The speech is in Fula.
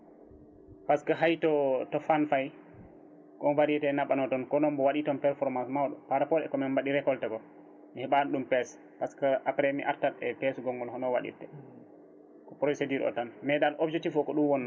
par ce que hay to Faan Faye on variété naɓano toon kono mbo waɗi toon performance mawɗo par rapport eko min mbaɗi récolté ko mi heeɓani ɗum pesde par ce que après mi artat e pess ngol ngol hono waɗirte procédure o tan dal objectif o ko ɗum wonno